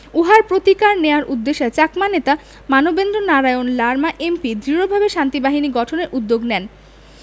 উহার প্রতিকার নেয়ার উদ্দেশে চাকমা নেতা মানবেন্দ্র নারায়ণ লারমা এম.পি. দৃঢ়ভাবে শান্তিবাহিনী গঠনের উদ্যোগ নেন